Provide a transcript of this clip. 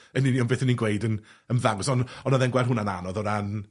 yn union beth o'n i'n gweud yn ymddangos, on' on' o'dd e'n gweld hwnna'n anodd o ran